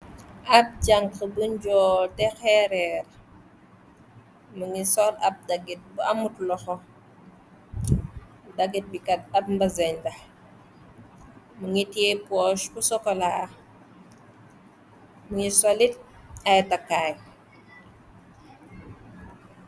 Ab jànx bu njool te xeereer. Mu ngi sol ab dagit bu amut loxo. Dagit bikat ab mbazane la. Mu ngi teye posse bu sokolaax. Mu ngi solit ay takkaay.